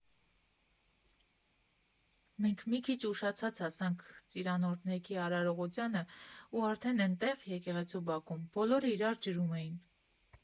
Մենք մի քիչ ուշացած հասանք ծիրանօրհնեքի արարողությանը, ու արդեն էնտեղ՝ եկեղեցու բակում, բոլորը իրար ջրում էին։